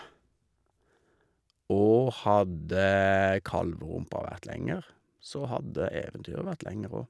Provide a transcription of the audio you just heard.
Og hadde kalverumpa vært lenger, så hadde eventyret vært lenger òg.